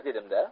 dedim da